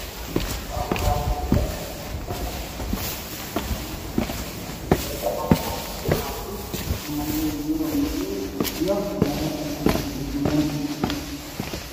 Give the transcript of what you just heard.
Waa kuraas imisa meel yaalla kuraasta waxaa saaran biyo caafi miisaska maryo mid madow